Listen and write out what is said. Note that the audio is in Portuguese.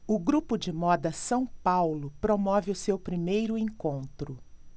o grupo de moda são paulo promove o seu primeiro encontro